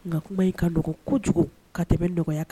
Nka kuma in ka dogo kojugu ka tɛmɛ bɛ nɔgɔya kan